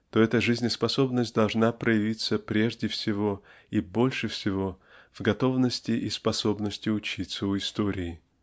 то эта жизнеспособность должна проявиться прежде всего и больше всего в готовности и способности учиться у истории.